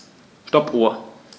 Stoppuhr.